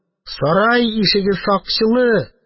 Сарай ишеге сакчылы,